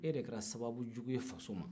e de kɛra sababujuye faso ma